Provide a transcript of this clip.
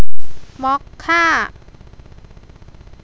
มอคค่า